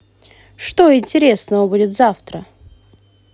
что интересного будет завтра